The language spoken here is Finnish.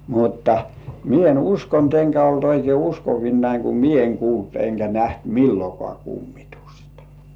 mutta minä en uskonut enkä ollut oikein uskovinani kun minä en kuullut enkä nähnyt milloinkaan kummitusta